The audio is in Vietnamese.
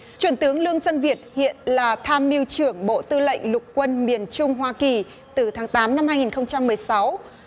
chuẩn tướng lương xuân việt hiện là tham mưu trưởng bộ tư lệnh lục quân miền trung hoa kỳ từ tháng tám năm hai nghìn không trăm mười sáu